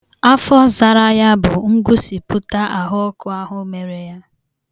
Afọ zara ya bụ ngosipụta ahụọkụ ahu mere ya.